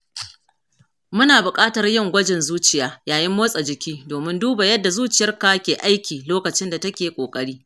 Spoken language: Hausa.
muna buƙatar yin gwajin zuciya yayin motsa jiki domin duba yadda zuciyarka ke aiki lokacin da take ƙoƙari.